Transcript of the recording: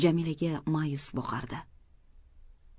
jamilaga ma'yus boqardi